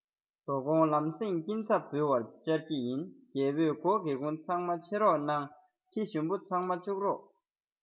དོ དགོང ལམ སེང སྐྱིན པ འབུལ བར བཅར གྱི ཡིན རྒྱལ པོས སྒོ སྒེའུ ཁུང ཚང མ ཕྱེ རོགས གནང ཁྱི ཞུམ བུ ཚང མ བཅུག རོགས